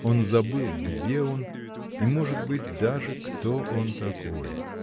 Он забыл, где он — и может быть даже — кто он такой.